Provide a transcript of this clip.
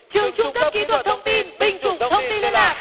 trường trung cấp kỹ thuật thông tin binh chủng thông tin liên lạc